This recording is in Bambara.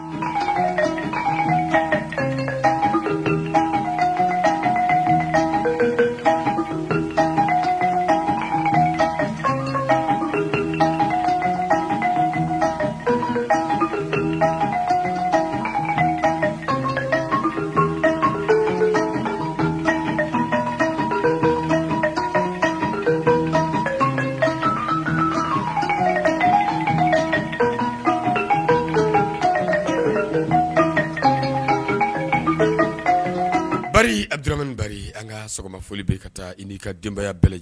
Du min ba an ka sɔgɔma foli bɛ ka taa ii ka denbayaya bɛɛ